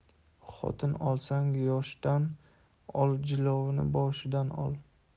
xotin olsang yoshdan ol jilovini boshdan ol